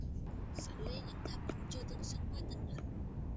xử lý tham nhũng chưa tương xứng với tình hình